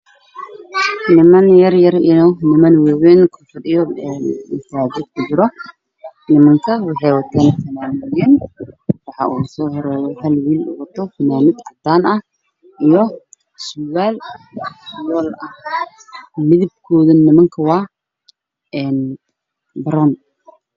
Niman yar yar iyo niman waawayn